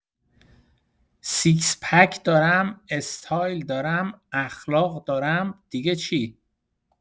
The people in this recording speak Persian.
سیکس پک دارم استایل دارم اخلاق دارم دیگه چی؟